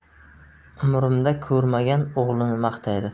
umrimda ko'rmagan o'g'lini maqtaydi